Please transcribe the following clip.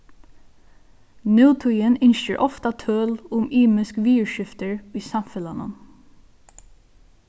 nútíðin ynskir ofta tøl um ymisk viðurskiftir í samfelagnum